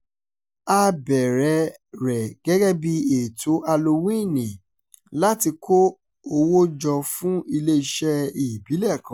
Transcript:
A bẹ̀rẹ̀ ẹ rẹ̀ gẹ́gẹ́ bíi ètò Halowíìnì láti kó owó jọ fún ilé-iṣẹ́ ìbílẹ̀ kan.